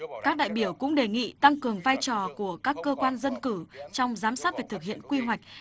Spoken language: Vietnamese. các đại biểu cũng đề nghị tăng cường vai trò của các cơ quan dân cử trong giám sát việc thực hiện quy hoạch